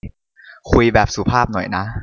คุยแบบสุภาพหน่อยนะ